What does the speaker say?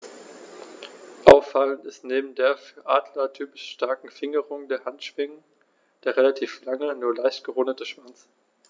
Auffallend ist neben der für Adler typischen starken Fingerung der Handschwingen der relativ lange, nur leicht gerundete Schwanz.